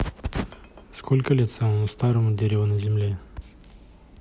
сколько лет самому старому дереву на земле